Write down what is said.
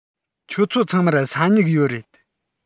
ཁྱོད ཚོ ཚང མར ས སྨྱུག ཡོད རེད